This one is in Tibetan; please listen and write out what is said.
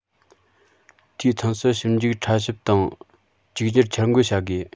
དུས མཚུངས སུ ཞིབ འཇུག ཕྲ ཞིབ དང གཅིག གྱུར འཆར འགོད བྱ དགོས